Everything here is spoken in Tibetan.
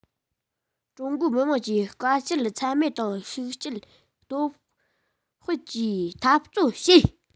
ཀྲུང གོའི མི དམངས ཀྱིས དཀའ སྤྱད ཚད མེད དང ཤུགས སྐྱེད སྟོབས སྤེལ གྱིས འཐབ རྩོད བྱས